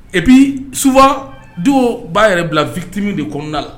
E bi sufa dɔw b'a yɛrɛ bila fitiriini de kɔnɔnada la